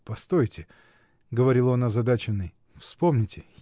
постойте, — говорил он, озадаченный, — вспомните.